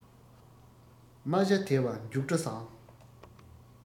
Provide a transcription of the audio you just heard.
རྨ བྱ དལ བ མཇུག སྒྲོ བཟང